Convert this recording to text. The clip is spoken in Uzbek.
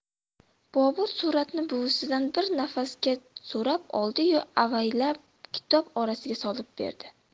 bobur suratni buvisidan bir nafasga so'rab oldi yu avaylab kitob orasiga solib berdi